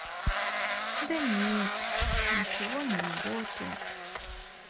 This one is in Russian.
да нет ничего не работает